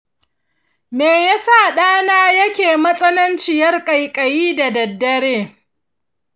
me yasa ɗana yake matsananciyar ƙaiƙayi da daddare?